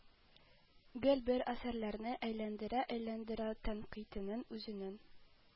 Гел бер әсәрләрне әйләндерә-әйләндерә тәнкыйтьнең үзенең